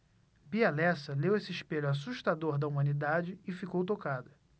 bia lessa leu esse espelho assustador da humanidade e ficou tocada